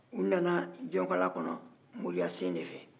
u nana jɔkala kɔnɔ moriya sen ne fɛ